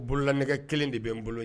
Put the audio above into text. A bolola nɛgɛgɛ kelen de bɛ n bolo ye